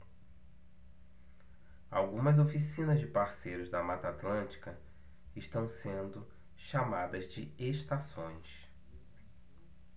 algumas oficinas de parceiros da mata atlântica estão sendo chamadas de estações